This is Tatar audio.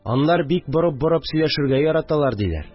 Анлар бик борып-борып сөйләшергә яраталар диләр